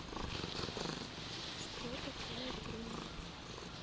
что такое дринк